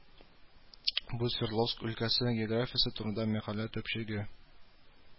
Бу Свердловск өлкәсе географиясе турында мәкалә төпчеге